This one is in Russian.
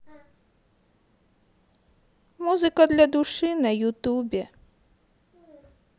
музыка для души на ютубе